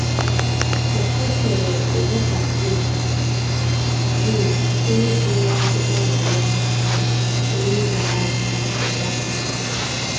Ụfọdụ kelere Rebeca Z. Gyumi, onye tinyere akwụkwọ arịrịọ na onye zara ajụjụ na ya bụ ikpe.